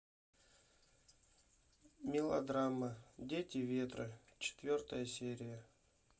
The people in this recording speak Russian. мелодрама дети ветра четвертая серия